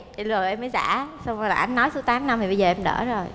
để rồi em mới xả xong rồi là ảnh nói sau tám năm thì bây giờ em đỡ rồi